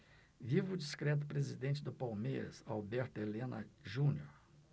viva o discreto presidente do palmeiras alberto helena junior